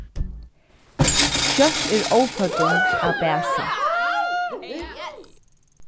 skjótt er óføddum at bæsa